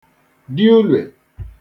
diulòè